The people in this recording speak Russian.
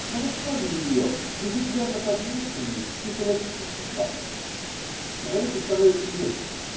но в основе ее лежит верно подмеченный психологический факт: человеку становится легче.